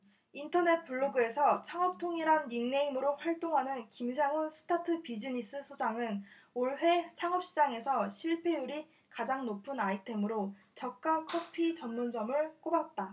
인터넷 블로그에서창업통이란 닉네임으로 활동하는 김상훈 스타트비즈니스 소장은 올해 창업시장에서 실패율이 가장 높은 아이템으로 저가 커피 전문점을 꼽았다